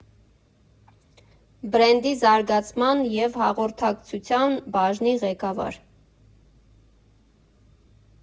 Բրենդի զարգացման և հաղորդակցության բաժնի ղեկավար։